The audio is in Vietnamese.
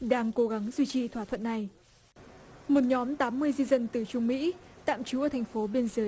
đang cố gắng duy trì thỏa thuận này một nhóm tám mươi di dân từ trung mỹ tạm trú ở thành phố biên giới